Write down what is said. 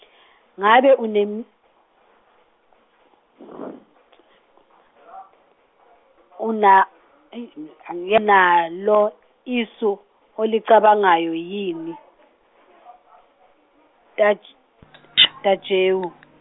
ngabe unem- , una- ey- a- unalo isu, olicabangayo yini, Taj- Tajewo.